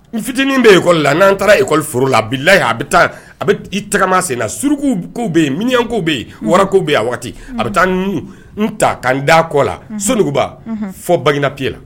N fitinin bɛ yen ekɔli la, n'an taara yen ekɔliforo la a billahi a bɛ taa a bɛ i ta ka ma sena suruku ko bɛ yen , miniɲyanko bɛ yen , warako bɛ yen ,a waati a bɛ taa n ta ka da kun na Sonukuba fɔ Bagineda .